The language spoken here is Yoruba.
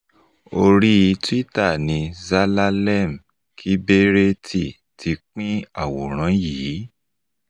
Orí Twitter ni Zelalem Kiberet ti pín àwòrán yìí.